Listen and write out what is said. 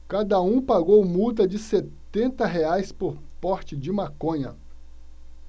cada um pagou multa de setenta reais por porte de maconha